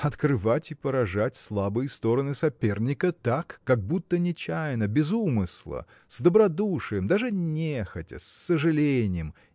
открывать и поражать слабые стороны соперника так как будто нечаянно без умысла с добродушием даже нехотя с сожалением